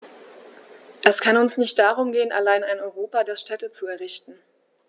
Es kann uns nicht darum gehen, allein ein Europa der Städte zu errichten.